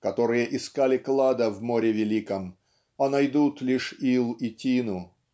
которые искали клад в море великом а найдут лишь ил и тину?